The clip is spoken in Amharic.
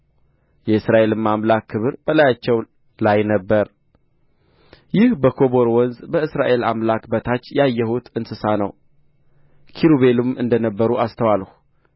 የእስራኤልም አምላክ ክብር በላያቸው ላይ ነበረ ይህ በኮበር ወንዝ ከእስራኤል አምላክ በታች ያየሁት እንስሳ ነው ኪሩቤልም እንደ ነበሩ አስተዋልሁ